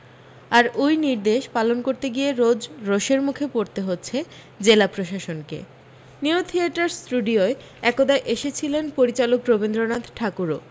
আর ওই নির্দেশ পালন করতে গিয়ে রোজ রোষের মুখে পড়তে হচ্ছে জেলাপ্রশাসনকে নিউ থিয়েটার্স স্টুডিওয় একদা এসেছিলেন পরিচালক রবীন্দ্রনাথ ঠাকূরও